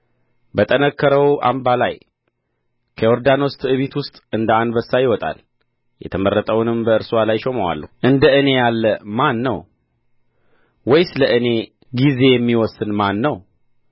በጠነከረው አምባ ላይ ከዮርዳኖስ ትዕቢት ውስጥ እንደ አንበሳ ይወጣል የተመረጠውንም በእርስዋ ላይ እሾመዋለሁ እንደ እኔ ያለ ማን ነው ወይስ ለእኔ ጊዜ የሚወስን ማን ነው